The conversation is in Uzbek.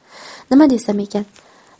nima desam ekan